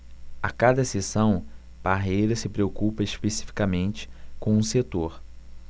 a cada sessão parreira se preocupa especificamente com um setor